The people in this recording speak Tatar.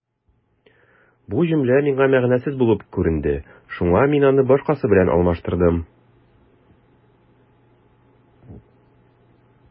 Бу җөмлә миңа мәгънәсез булып күренде, шуңа мин аны башкасы белән алмаштырдым.